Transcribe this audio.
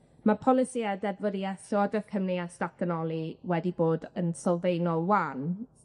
ma' polisïe deddfwrieth Llywodreth Cymru ers datganoli wedi bod yn sylfaenol wan.